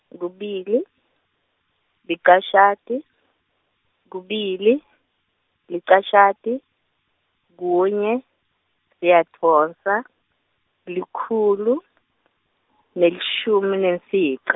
kubili, licashata, kubili, licashata, kunye, siyadvonsa, likhulu, nelishumi nemfica.